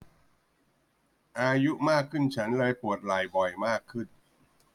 อายุมากขึ้นฉันเลยปวดไหล่บ่อยมากขึ้น